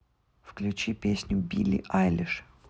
включи песню билли айлиш